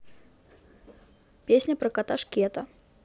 песня про кота шкета